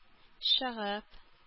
Чыгып